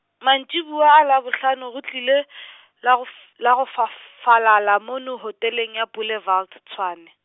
mantšiboa a Labohlano go tlile , la go f-, la go fa f- falala mono hoteleng ya Boulevard Tshwane.